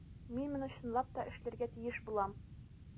Мин моны чынлап та эшләргә тиеш булам.